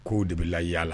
Kow de bɛ layaala